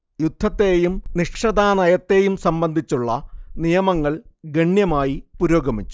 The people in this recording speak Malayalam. യുദ്ധത്തെയും നിക്ഷതാനയത്തെയും സംബന്ധിച്ചുള്ള നിയമങ്ങൾ ഗണ്യമായി പുരോഗമിച്ചു